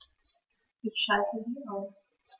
Ich schalte sie aus.